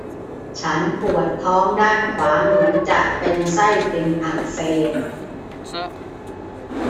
ฉันปวดท้องด้านขวาเหมือนจะเป็นไส้ติ่งอักเสบ